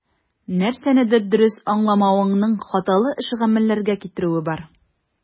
Нәрсәнедер дөрес аңламавыңның хаталы эш-гамәлләргә китерүе бар.